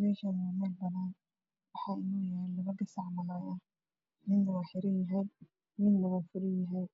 Meeshan waxaa inoo yaalo laba gasac oo malaay ah Midna wuu xiran yahay midana wuu furan yahay